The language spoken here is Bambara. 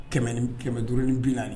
Kɛmɛ ni kɛmɛ duuruin bɛ naani